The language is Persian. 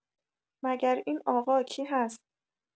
مگر این آقا کی هست؟